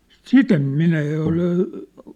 sitä en minä ja ole